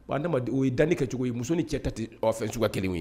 Wa adamaden o ye danni kɛcogo ye muso ni cɛ ta tɛ fɛn suguya kelen ye.